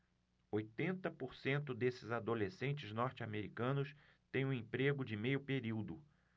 oitenta por cento desses adolescentes norte-americanos têm um emprego de meio período